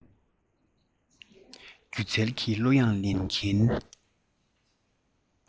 སྒྱུ རྩལ གྱི གླུ དབྱངས ལེན མཁན